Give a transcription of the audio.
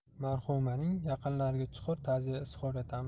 marhumaning yaqinlariga chuqur ta'ziya izhor etamiz